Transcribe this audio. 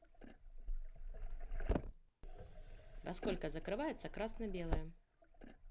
во сколько закрывается красно белое